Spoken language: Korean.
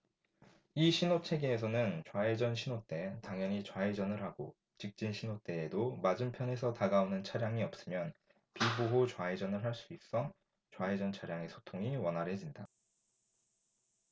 이 신호체계에서는 좌회전 신호 때 당연히 좌회전을 하고 직진 신호 때에도 맞은편에서 다가오는 차량이 없으면 비보호 좌회전을 할 수 있어 좌회전 차량의 소통이 원활해진다